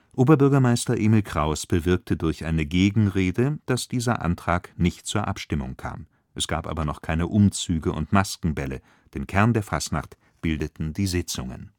Oberbürgermeister Emil Kraus bewirkte durch eine Gegenrede, dass dieser Antrag nicht zur Abstimmung kam. Es gab aber noch keine Umzüge und Maskenbälle – den Kern der Fastnacht bildeten die Sitzungen